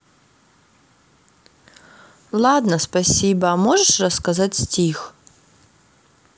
ладно спасибо а можешь рассказать стих